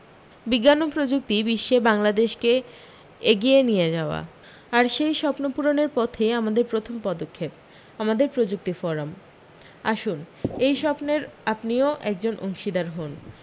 বিজ্ঞান ও প্রযুক্তির বিশ্বে বাংলাদেশকে এগিয়ে নিয়ে যাওয়া আর সেই স্বপ্ন পূরণের পথেই আমাদের প্রথম পদক্ষেপ আমাদের প্রযুক্তি ফোরাম আসুন এই স্বপ্নের আপনিও একজন অংশীদার হোন